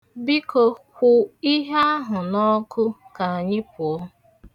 Biko kwụ ihe ahụ n'ọkụ ka anyị pụọ.